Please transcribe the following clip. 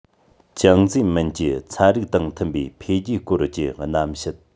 ཅང ཙེ རྨིན གྱི ཚན རིག དང མཐུན པའི འཕེལ རྒྱས སྐོར གྱི རྣམ བཤད